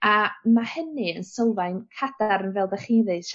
A ma' hynny yn sylfaen cadarn fel 'dach chi ddeud...